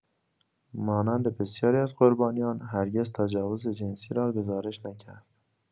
مانند بسیاری از قربانیان، هرگز تجاوز جنسی را گزارش نکرد.